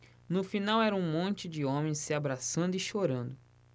no final era um monte de homens se abraçando e chorando